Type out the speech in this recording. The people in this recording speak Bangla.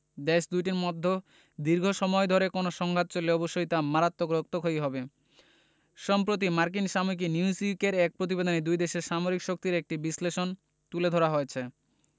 দেশ দুটির মধ্যে দীর্ঘ সময় ধরে কোনো সংঘাত চললে অবশ্যই তা মারাত্মক রক্তক্ষয়ী হবে সম্প্রতি মার্কিন সাময়িকী নিউজউইকের এক প্রতিবেদনে দুই দেশের সামরিক শক্তির একটি বিশ্লেষণ তুলে ধরা হয়েছে